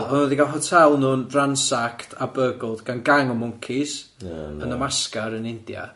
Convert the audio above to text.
O'n nhw wedi ga'l hotel nhw ransacked a burgled gan gang o mwncis yn Namaskar yn India.